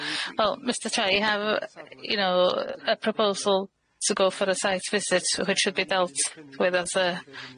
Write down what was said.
Wel Mr Chair you have y- you know yym a proposal to go for a site visit which should be dealt with as a